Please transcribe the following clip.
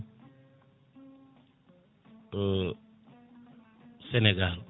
Sénégal